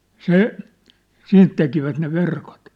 se siitä tekivät ne verkot